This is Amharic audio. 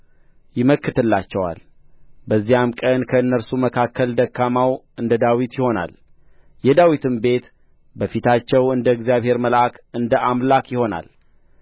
ይመክትላቸዋል በዚያም ቀን ከእነርሱ መካከል ደካማው እንደ ዳዊት ይሆናል የዳዊትም ቤት በፊታቸው እንደ እግዚአብሔር መልአክ እንደ አምላክ ይሆናል